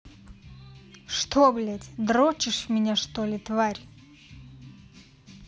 что блядь дрочишь меня что ли тварь